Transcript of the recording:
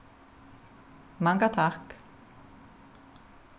manga takk